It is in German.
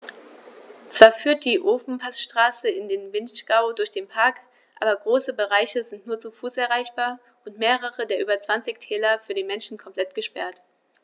Zwar führt die Ofenpassstraße in den Vinschgau durch den Park, aber große Bereiche sind nur zu Fuß erreichbar und mehrere der über 20 Täler für den Menschen komplett gesperrt.